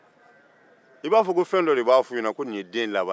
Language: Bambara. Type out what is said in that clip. i b'a fɔ ko fɛn dɔ de b'a fo u ɲɛna ko nin ye den laban ye